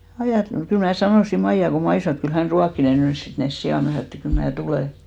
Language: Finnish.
- kyllä minä sanoin Maija kun Maija sanoi että kyllä hän ruokkii ne nyt sitten ne siat minä sanoin että kyllä minä tulen